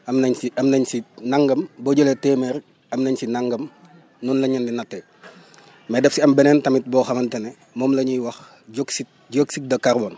am nañ fi am nañ fi nangam boo jëlee téeméer am nañ si nangam noonu la ñu leen di nattee mais daf si am beneen tamit boo xamante ne moom la ñuy wax dioxyde dioxyde de carbone